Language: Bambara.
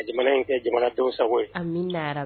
Ka jamana in kɛ jamanadenw sago ye. Amina yarabi